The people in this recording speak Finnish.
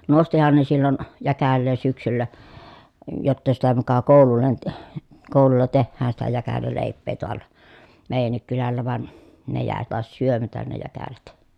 nostihan ne silloin jäkälää syksyllä jotta sitä muka koululle - koululla tehdään sitä jäkäläleipää taalla meidänkin kylällä vaan ne jäi taas syömättä ne jäkälät